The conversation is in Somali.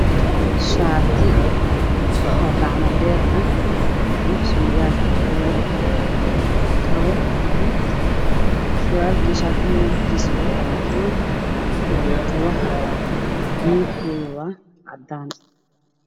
Waa shaati gacmo dheer ah